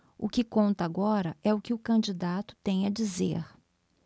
o que conta agora é o que o candidato tem a dizer